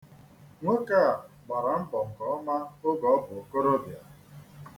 Nwoke a gbara mbọ nke ọma oge ọ bụ okorobịa.